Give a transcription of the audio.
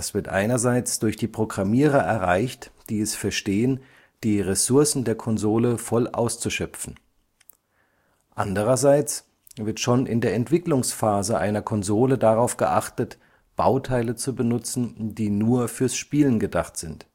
wird einerseits durch die Programmierer erreicht, die es verstehen, die Ressourcen der Konsole voll auszuschöpfen. Anderseits wird schon in der Entwicklungsphase einer Konsole darauf geachtet, Bauteile zu benutzen, die nur fürs Spielen gedacht sind